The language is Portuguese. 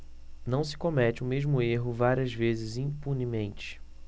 não se comete o mesmo erro várias vezes impunemente